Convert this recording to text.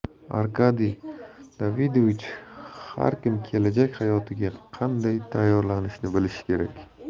arkadiy davidovich har kim kelajak hayotiga qanday tayyorlanishni bilishi kerak